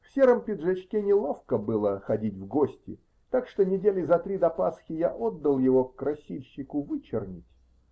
В сером пиджачке неловко было ходить в гости, так что недели за три до Пасхи я отдал его красильщику вычернить.